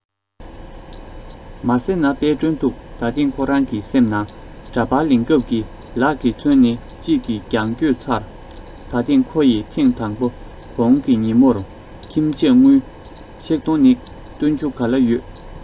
མ ཟེར ན དཔལ སྒྲོན ཐུགས ད ཐེངས ཁོ རང གི སེམས ནང དྲ པར ལེན སྐབས ཀྱི ལག གི མཚོན ན གཅིག གི རྒྱང བསྐྱོད ཚར ད ཐེངས ཁོ ཡི ཐེངས དང པོ གོང གི ཉིན མོར ཁྱིམ ཆས དངུལ ཆིག སྟོང ནི སྟོན རྒྱུ ག ལ ཡོད